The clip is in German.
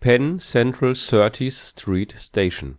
Penn Central 30th Street Station